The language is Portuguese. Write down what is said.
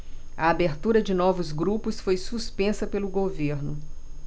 a abertura de novos grupos foi suspensa pelo governo